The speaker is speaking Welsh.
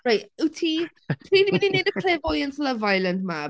Reit, wyt ti... ti'n mynd i wneud y clairvoyance Love Island 'ma.